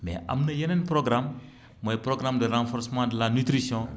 mais am na yeneen programmes mooy programme de renforcement de la nutition